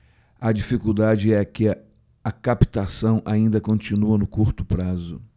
a dificuldade é que a captação ainda continua no curto prazo